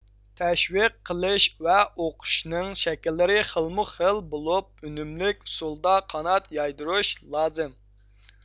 تەشۋىق قىلىش ۋە ئوقۇشنىڭ شەكىللىرى خىلمۇ خىل بولۇپ ئۈنۈملۈك ئۇسۇلدا قانات يايدۇرۇش لازىم